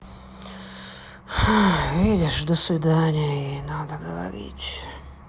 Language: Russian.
видишь до свидания ей надо говорить